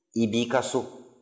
i b'i ka so